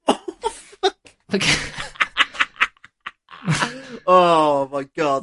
...ffyc. *Oh my God.